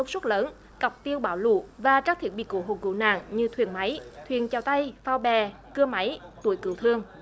công suất lớn cọc tiêu báo lũ và trang thiết bị cứu hộ cứu nạn như thuyền máy thuyền chèo tay phao bè cưa máy túi cứu thương